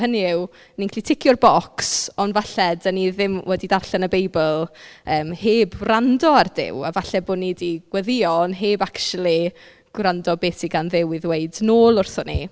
Hynny yw ni'n gallu ticio'r bocs, ond falle dan ni ddim wedi darllen y Beibl yym heb wrando ar Duw. A falle bo' ni 'di gweddïo, ond heb acshyli gwrando beth sydd gan Dduw i ddweud nôl wrthon ni.